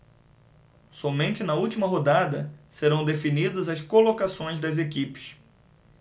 somente na última rodada serão definidas as colocações das equipes